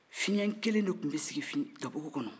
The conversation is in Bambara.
fiɲɛn kelen de tun bɛ sigi gabugu kɔnɔ